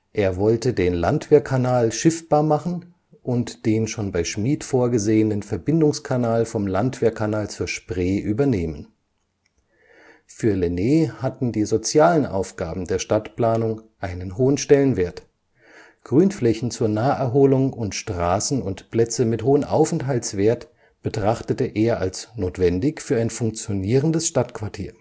Er wollte den Landwehrkanal schiffbar machen und den schon bei Schmid vorgesehenen Verbindungskanal vom Landwehrkanal zur Spree übernehmen. Für Lenné hatten die sozialen Aufgaben der Stadtplanung einen hohen Stellenwert – Grünflächen zur Naherholung und Straßen und Plätze mit hohem Aufenthaltswert betrachtete er als notwendig für ein funktionierendes Stadtquartier